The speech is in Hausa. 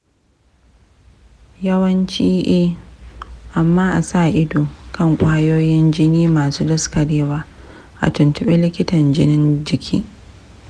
yawanci eh, amma a sa ido kan ƙwayoyin jini masu daskarewa. a tuntubi likitan jinin jiki.